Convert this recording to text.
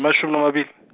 amashumi amabili.